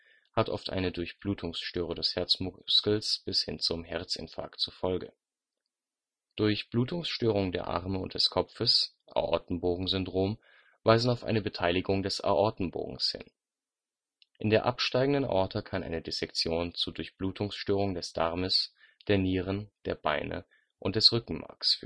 hat oft eine Durchblutungsstörung des Herzmuskels bis hin zum Herzinfarkt zur Folge. Durchblutungsstörungen der Arme und des Kopfes (Aortenbogen-Syndrom) weisen auf eine Beteiligung des Aortenbogens hin. In der absteigenden Aorta kann eine Dissektion zu Durchblutungsstörungen des Darmes, der Nieren, der Beine und des Rückenmarks